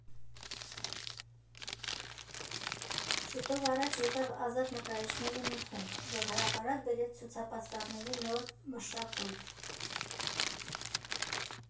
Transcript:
Շուտով առաջ եկավ ազատ նկարիչների մի խումբ, որ հրապարակ բերեց ցուցապաստառների նոր մշակույթ։